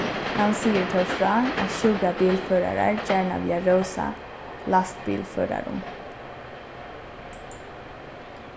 hann sigur tó frá at sjúkrabilførarar gjarna vilja rósa lastbilførarum